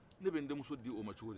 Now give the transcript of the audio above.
ne bɛ n denmuso di o macogo di